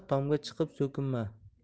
tomga chiqib so'kinma